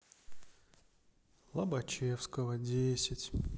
лобачевского десять